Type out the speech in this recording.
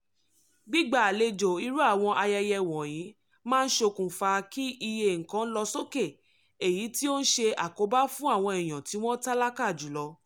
Gbígba àlejò irú àwọn ayẹyẹ wọ̀nyìí máa ń ṣokùnfà kí iye nǹkan lọ sókè, èyí tí ó ń ṣe àkóbá fún àwọn èèyàn tí wọn tálákà jùlọ.